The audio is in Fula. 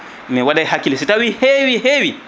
mi waɗay hakkille si tawi heewi heewi